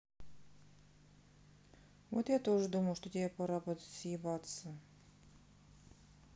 вот я тоже думаю что тебе пора под съебаться